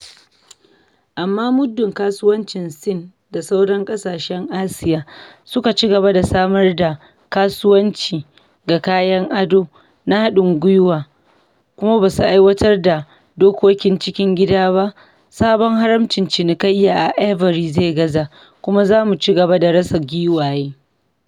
Amma muddin kasuwannin Sin da sauran kasashen Asiya su kaci gaba da samar da kasuwanci ga kayan ado na hadin gwiwa kuma ba su aiwatar da dokokin cikin gida ba, sabon haramcin cinikayya a Ivory zai gaza, kuma za mu ci gaba da rasa giwaye.